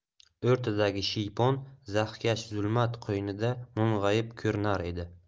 o'rtadagi shiypon zaxkash zulmat qo'ynida mung'ayib ko'rinar edi